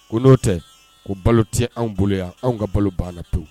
Ko n'o tɛ ko balo tɛ an bolo yan an ka balo banna ka to